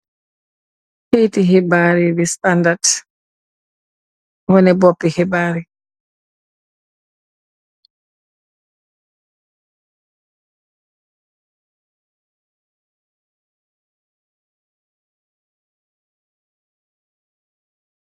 Kayiti xibarr di Standard waneh bópi xibaryi.